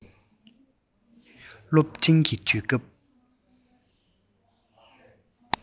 སློབ འབྲིང གི དུས སྐབས